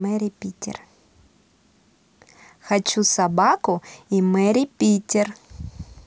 хочу собаку и mary питер